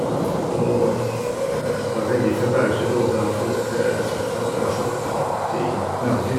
Og var veldig forbauset over at folk sagt at det var så kaldt i Norge.